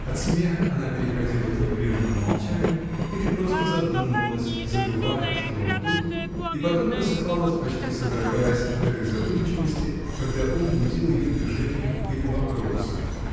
От смеха она переходила к небрежному молчанию или просто задумывалась, забывая, что он тут, и потом просыпалась, почти содрогаясь, от этой задумчивости, когда он будил ее движением или вопросом.